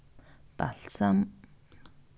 balsam